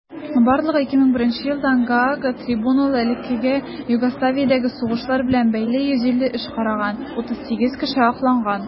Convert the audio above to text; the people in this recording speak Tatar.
Барлыгы 2001 елдан Гаага трибуналы элеккеге Югославиядәге сугышлар белән бәйле 150 эш караган; 38 кеше акланган.